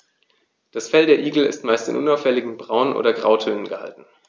Das Fell der Igel ist meist in unauffälligen Braun- oder Grautönen gehalten.